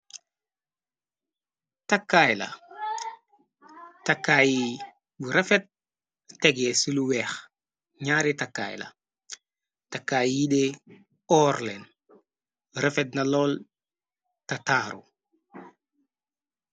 Takaayla takaay bu refet tege ci lu weex ñaare takaayla takaay yide ourlan refet naloll tataaru.